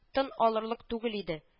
Тын алырлык түгел иде